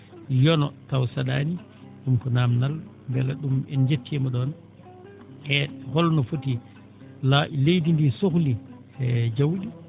yona tawa saɗaani ɗum ko naamdal mbele ɗum en njettiima ɗoon e holno foti leydi ndi sohli e jawɗi